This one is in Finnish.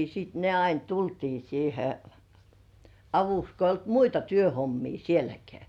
sitten ne aina tultiin siihen avuksi kun ei ollut muita työhommia sielläkään